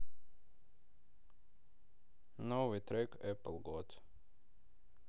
новый трек эпл гот